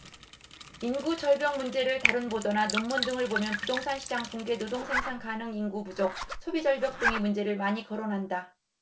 인구절벽 문제를 다룬 보도나 논문 등을 보면 부동산시장 붕괴 노동생산 가능인구 부족 소비절벽 등의 문제를 많이 거론한다